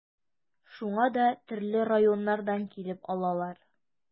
Шуңа да төрле районнардан килеп алалар.